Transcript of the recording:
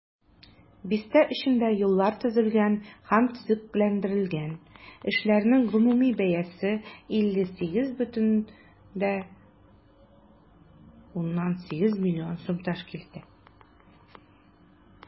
Бистә эчендә юллар төзелгән һәм төзекләндерелгән, эшләрнең гомуми бәясе 58,8 миллион сум тәшкил иткән.